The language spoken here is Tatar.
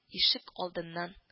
Ишек алдыннан